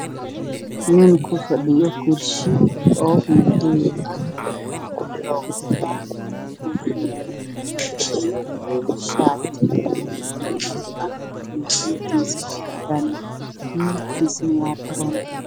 Meeshaan waa meel la joogaan niman fara badan ninka usoo horeeya wuxuu wata shati ah iyo kiallo